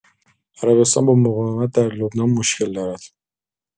عربستان با مقاومت در لبنان مشکل دارد.